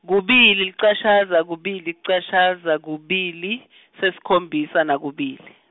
kubili, licashata, kubili, licashata, kubili, se sikhombisa, na kubili.